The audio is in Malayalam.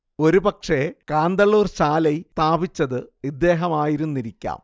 ഒരുപക്ഷേ കാന്തളൂർ ശാലൈ സ്ഥാപിച്ചത് ഇദ്ദേഹമായിരുന്നിരിക്കാം